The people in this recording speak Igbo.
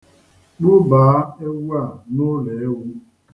Kpụbaa ewu a n'ụlọ ewu.